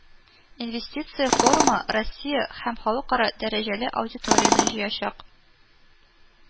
Инвестиция форумы Россия һәм Халыкара дәрәҗәле аудиторияне җыячак